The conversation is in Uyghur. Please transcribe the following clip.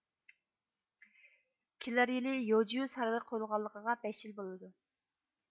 كېلەر يىلى يوجيۇ سارىيى قۇرۇلغانلىقىغا بەش يىل بولىدۇ